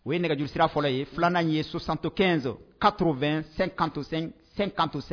O ye nɛgɛjuru sira fɔlɔ ye filanan in ye sosantɔso katoro2sen kansen sen kansɛ